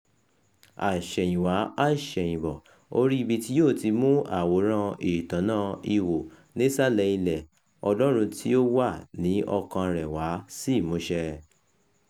Àṣẹ̀yìnwá àṣẹ̀yìnbọ ó rí ibi tí yóò ti mú àwòrán-ìtọ́nà ihò nísàlẹ̀ ilẹ̀ẹ Ọlọ́run tí ó wà ní ọkàn-an rẹ̀ wá sí ìmúṣẹ.